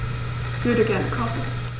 Ich würde gerne kochen.